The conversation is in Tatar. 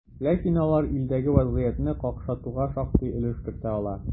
Ләкин алар илдәге вазгыятьне какшатуга шактый өлеш кертә ала.